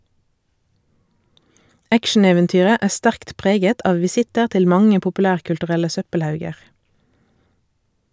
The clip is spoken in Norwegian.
Actioneventyret er sterkt preget av visitter til mange populærkulturelle søppelhauger.